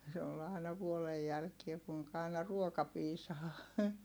se oli aina vuoden jälkeen kuinka aina ruoka piisaa